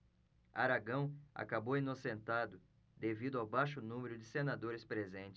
aragão acabou inocentado devido ao baixo número de senadores presentes